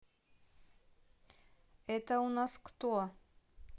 это у нас кто